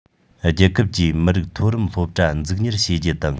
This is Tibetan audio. རྒྱལ ཁབ ཀྱིས མི རིགས མཐོ རིམ སློབ གྲྭ འཛུགས གཉེར བྱེད རྒྱུ དང